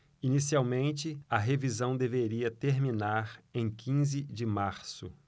inicialmente a revisão deveria terminar em quinze de março